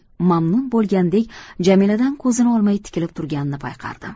mamnun bo'lgandek jamiladan ko'zini olmay tikilib turganini payqardim